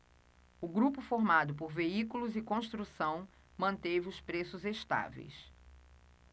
o grupo formado por veículos e construção manteve os preços estáveis